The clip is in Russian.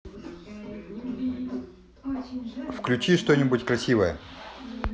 включи что нибудь красивое